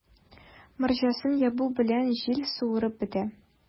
Морҗасын ябу белән, җил суырып бетерә.